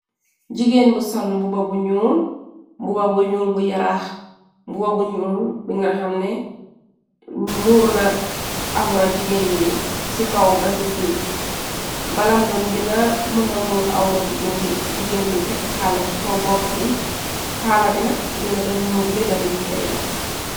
Jigéen bu sol mbub ba bu ñuul, mbub ba bu ñuul bu yaraah. Mbub ba bu ñuul bi nga hamne muur na awra jigeen bi ci kaw ba ci suuf. Balam doon gina më na muur awra jigéen bi. Jigéen bi tek kaala ci kaw boppi bi, kaala bi nak dina doon muur dena biy feeñ.